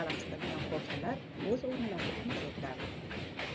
alahsitadigan qo'shnilar o'z o'rinlarida emas edilar